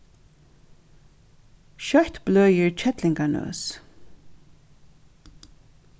skjótt bløðir kellingarnøs